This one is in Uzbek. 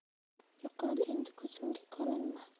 yo'qol endi ko'zimga ko'rinma